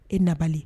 E na bali.